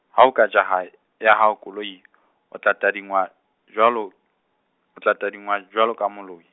ha o ka jaha ya hao koloi, o tla tadingwa jwalo, o tla tadingwa jwalo ka moloi.